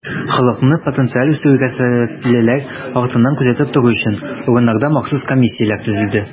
Халыкны потенциаль үстерүгә сәләтлеләр артыннан күзәтеп тору өчен, урыннарда махсус комиссияләр төзелде.